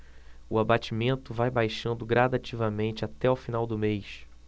o abatimento vai baixando gradativamente até o final do mês